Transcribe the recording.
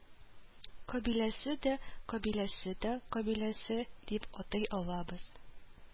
Кабиләсе, са кабиләсе, та кабиләсе дип атый алабыз